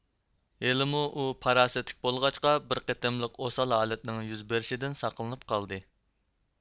ھېلىمۇ ئۇ پاراسەتلىك بولغاچقا بىر قېتىملىق ئوسال ھالەتنىڭ يۈز بېرىشىدىن ساقلىنىپ قالدى